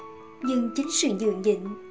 nhưng chính sự nhường nhịn